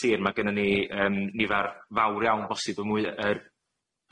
sir ma' gynnon ni yym nifer fawr iawn bosib y mwy yr